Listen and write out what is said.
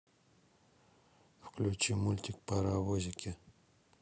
включить мультик паровозики